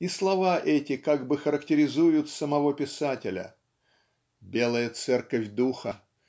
и слова эти как бы характеризуют самого писателя. Белая церковь духа